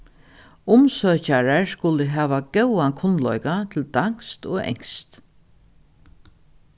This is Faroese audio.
umsøkjarar skulu hava góðan kunnleika til danskt og enskt